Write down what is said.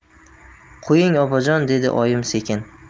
qo'ying opajon dedi oyim sekin